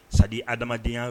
Sa di ha adamadamadenyaya